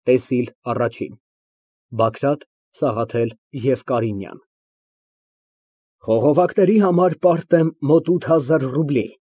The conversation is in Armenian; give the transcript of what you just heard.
ՏԵՍԻԼ ԱՌԱՋԻՆ ԲԱԳՐԱՏ, ՍԱՂԱԹԵԼ ԵՎ ԿԱՐԻՆՅԱՆ ԲԱԳՐԱՏ ֊ Խողովակների համար պարտ եմ մոտ ութ հազար ռուբլի։